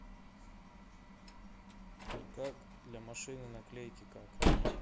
как для машины наклейки как